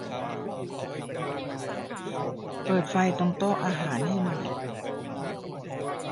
เปิดไฟตรงโต๊ะอาหารให้หน่อย